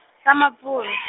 ka Mapuve.